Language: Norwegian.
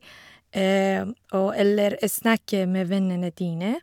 og Eller snakke med vennene dine.